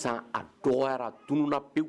A dɔgɔyara tunun